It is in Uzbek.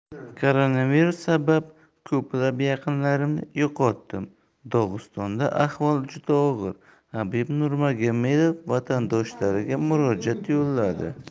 koronavirus sabab ko'plab yaqinlarimni yo'qotdim dog'istonda ahvol juda og'ir habib nurmagomedov vatandoshlariga murojaat yo'lladi